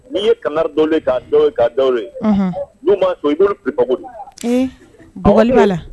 N'i ye kankari da min ye, ka da ka da u ye, unhun, n'u ma sɔn i b'olu pripako, ee bugɔli b'a la wa?